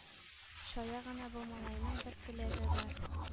Чая гына бу малайның бер теләге бар —